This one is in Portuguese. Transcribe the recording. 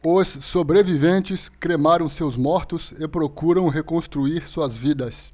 os sobreviventes cremaram seus mortos e procuram reconstruir suas vidas